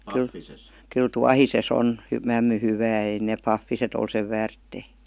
kyllä tuohisessa on mämmi hyvää ei ne pahviset ole sen väärtejä